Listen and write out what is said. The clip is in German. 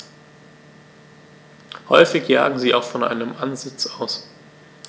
Häufig jagen sie auch von einem Ansitz aus.